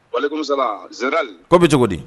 P bɛ cogo di